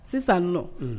Sisan nɔ